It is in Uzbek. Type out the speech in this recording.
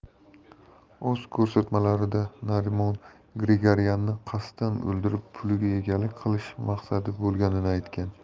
o'z ko'rsatmalarida narimon grigoryanni qasddan o'ldirib puliga egalik qilish maqsadi bo'lganini aytgan